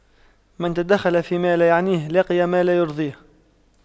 من تَدَخَّلَ فيما لا يعنيه لقي ما لا يرضيه